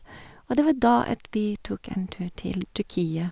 Og det var da at vi tok en tur til Tyrkia.